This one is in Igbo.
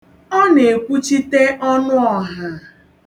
Ọ na-ekwuchite ọnụ ọha.